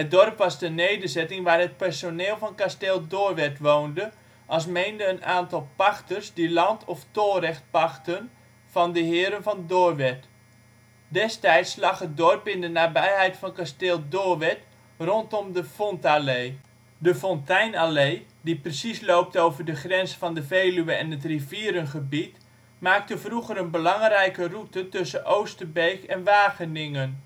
dorp was de nederzetting waar het personeel van Kasteel Doorwerth woonde, alsmede een aantal pachters die land of tolrecht pachtten van de heren van Doorwerth. Destijds lag het dorp in de nabijheid van Kasteel Doorwerth rondom de Fontallee. De Fonteinallee, die precies loopt over de grens van de Veluwe en het rivierengebied, maakte vroeger belangrijke route tussen Oosterbeek en Wageningen